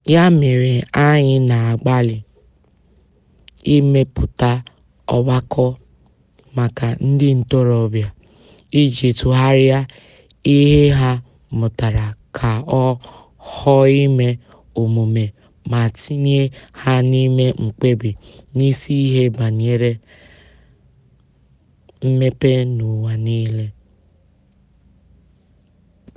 Ya mere, anyị na-agbalị imepụta ọgbakọ maka ndị ntorobịa iji tụgharịa ihe ha mụtara ka ọ ghọ ihe omume ma tinye ha n'ime mkpebi n'isi ihe banyere mmepe na ụwa niile.